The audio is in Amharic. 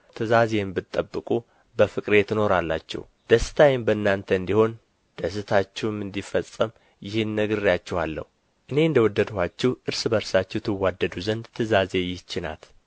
ትእዛዜን ብትጠብቁ በፍቅሬ ትኖራላችሁ ደስታዬም በእናንተ እንዲሆን ደስታችሁም እንዲፈጸም ይህን ነግሬአችኋለሁ እኔ እንደ ወደድኋችሁ እርስ በርሳችሁ ትዋደዱ ዘንድ ትእዛዜ ይህች ናት